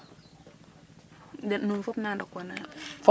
de nuun fop na ndokwanooyo?